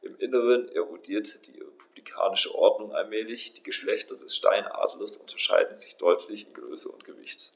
Im Inneren erodierte die republikanische Ordnung allmählich. Die Geschlechter des Steinadlers unterscheiden sich deutlich in Größe und Gewicht.